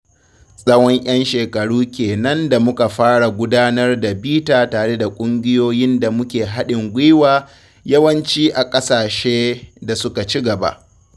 Tsawon 'yan shekaru ke nan da muka fara gudanar da bita tare da ƙungiyoyin da muke haɗin gwiwa yawanci a ƙasashe da suka ci gaba.